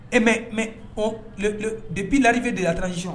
Et mais depuis l'arrivée de la transition